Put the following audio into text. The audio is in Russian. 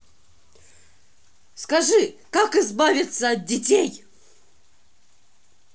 скажи как избавиться от детей